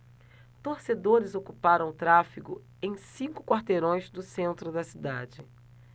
torcedores ocuparam o tráfego em cinco quarteirões do centro da cidade